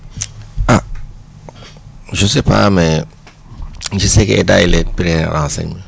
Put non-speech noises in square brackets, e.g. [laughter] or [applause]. [noise] ah je sais pas mais [smacks lips] tu sais que état il est plus renseigné